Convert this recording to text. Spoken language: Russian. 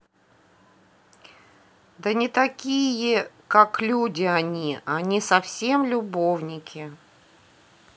да не такие как люди они они совсем любовники